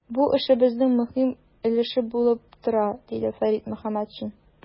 Бу эшебезнең мөһим өлеше булып тора, - диде Фәрит Мөхәммәтшин.